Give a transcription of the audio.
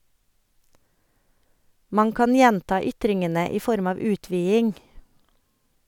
Man kan gjenta ytringene i form av utviding.